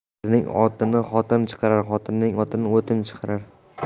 erning otini xotin chiqarar xotinning otini o'tin chiqarar